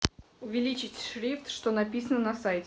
увеличить шрифт что написано на сайте